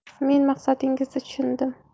men maqsadingizni tushundim